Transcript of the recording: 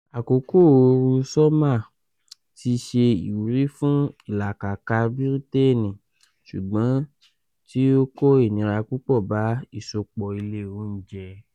Àkókò oru sọ́mà ti ṣe ìwúrì fún ìlàkakà Briteni ṣùgbọ́n tí ó kó ìnira púpọ̀ bá ìsopọ ilé oúnjẹ.